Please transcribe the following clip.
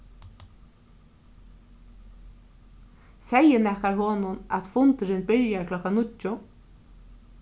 segði nakar honum at fundurin byrjar klokkan níggju